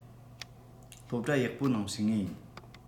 སློབ གྲྭ ཡག པོ ནང ཞུགས ངེས ཡིན